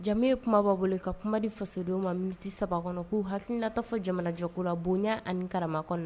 Jɛmu ye kuma ba bolo ye . Ka kuma di fasodenw ma minute 3 kɔnɔa . Ku hakilina ta fɔ jamana jɔ ko la bonɲa ani karama kɔnɔ.